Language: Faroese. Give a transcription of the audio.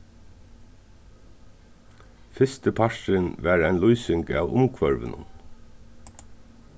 fyrsti parturin var ein lýsing av umhvørvinum